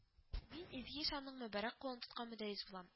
Мин изге ишанның мөбарәк кулын тоткан мөдәрис булам